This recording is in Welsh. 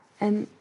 Yym...